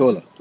cóolóol